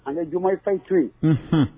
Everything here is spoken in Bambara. A ye jumafan to ye